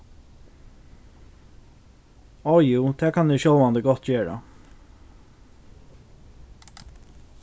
áh jú tað kann eg sjálvandi gott gera